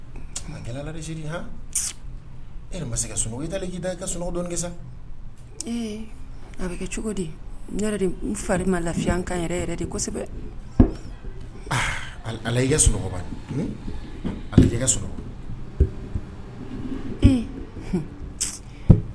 E ma se ka sunji i ka sunɔgɔ kɛ a bɛ kɛ cogo de yɛrɛ n fari ma lafiya ka yɛrɛ yɛrɛ de kosɛbɛ ala i ka sunɔgɔba alejɛ